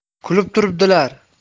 kulib turibdilar